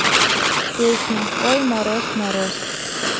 песня ой мороз мороз